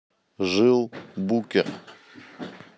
жил букер